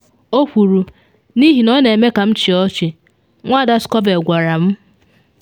“O kwuru, “N’ihi ọ na eme ka m chịa ọchị,”” Nwada Scovell gwara m.